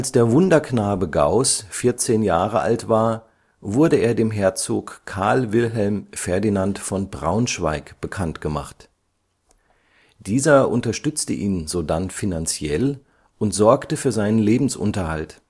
der Wunderknabe Gauß vierzehn Jahre alt war, wurde er dem Herzog Karl Wilhelm Ferdinand von Braunschweig bekanntgemacht. Dieser unterstützte ihn sodann finanziell und sorgte für seinen Lebensunterhalt